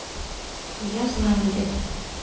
я знаю где ты